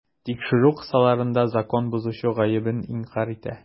Тикшерү кысаларында закон бозучы гаебен инкарь итә.